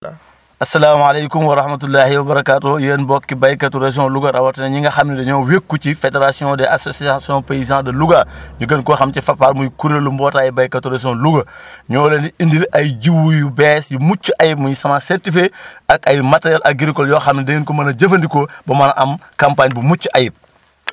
waaw asalaamaaleykum wa raxmatulaxi wa barakaatuxoo yéen mbokki baykatu région Louga rawatina ñi nga xam ne dañoo ñëw wékku ci fédération des associations paysans de Louga ñu gën koo xam ci Fapal muy kuréelu mbootaayu baykatu région Louga ñoo leen i indil ay jiwu yu bees yu mucc ayib muy semence certifiée ak ay matériels agricoles yoo xam ne di ngeen ko mën a jëfandikoo ba mën a am campagne gu mucc ayib